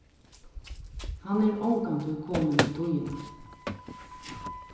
hann er ongantíð komin til tíðina